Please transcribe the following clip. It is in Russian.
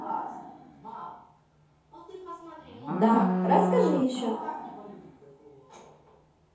да расскажи еще